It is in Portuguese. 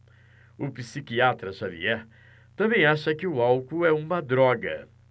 o psiquiatra dartiu xavier também acha que o álcool é uma droga